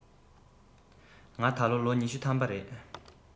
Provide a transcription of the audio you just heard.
ང ད ལོ ལོ ཉི ཤུ ཐམ པ རེད